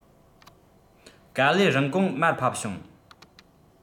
ག ལེར རིན གོང མར ཕབ བྱུང